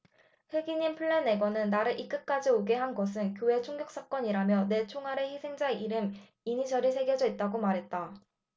흑인인 플래내건은 나를 이 끝까지 오게 한 것은 교회 총격사건이라면서 내 총알에 희생자 이름 이니셜이 새겨져 있다고 말했다